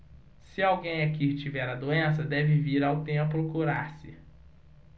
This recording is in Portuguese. se alguém aqui tiver a doença deve vir ao templo curar-se